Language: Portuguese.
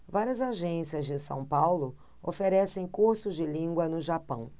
várias agências de são paulo oferecem cursos de língua no japão